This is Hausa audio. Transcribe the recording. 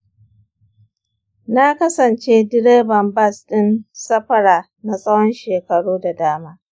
na kasance direban bas ɗin safara na tsawon shekaru da dama.